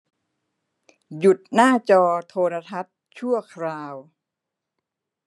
หยุดหน้าจอโทรทัศน์ชั่วคราว